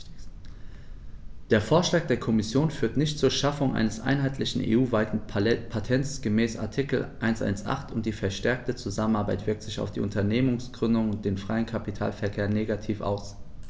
Der Vorschlag der Kommission führt nicht zur Schaffung eines einheitlichen, EU-weiten Patents gemäß Artikel 118, und die verstärkte Zusammenarbeit wirkt sich auf die Unternehmensgründung und den freien Kapitalverkehr negativ aus.